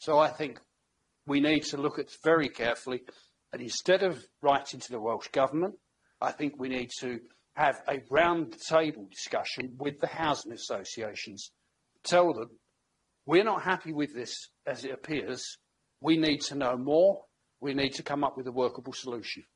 So I think we need to look at it very carefully, and instead of writing to the Welsh Government, I think we need to have a round-the-table discussion with the housing associations, tell them, we're not happy with this as it appears, we need to know more, we need to come up with a workable solution.